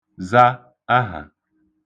za ahà